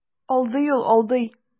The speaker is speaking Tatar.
Алдый ул, алдый.